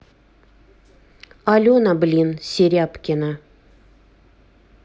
алена блин серябкина